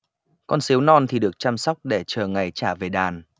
con sếu non thì được chăm sóc để chờ ngày trả về đàn